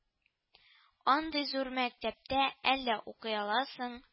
Андый зур мәктәптә әллә укый аласың